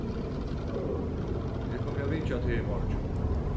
eg komi at vitja teg í morgin